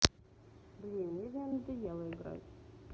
блин мне в нее надоело играть